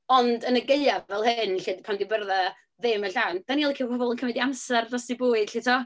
Ond, yn y gaeaf fel hyn 'lly, pan 'di byrddau ddim yn llawn, dan ni'n licio pobl yn cymryd eu amser dros eu bwyd, 'lly tibod?